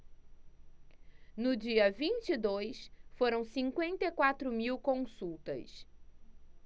no dia vinte e dois foram cinquenta e quatro mil consultas